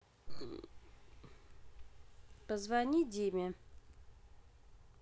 позвони диме